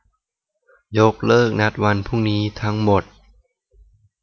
ยกเลิกนัดวันพรุ่งนี้ทั้งหมด